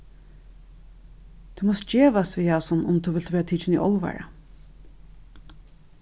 tú mást gevast við hasum um tú vilt verða tikin í álvara